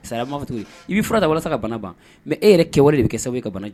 Saya cogo i' da walasa sa ka bana ban mɛ e yɛrɛ kɛwale de kɛ i ka ban